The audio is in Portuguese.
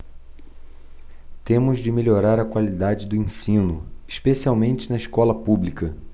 temos de melhorar a qualidade do ensino especialmente na escola pública